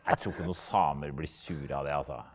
jeg tror ikke noen samer blir sure av det altså.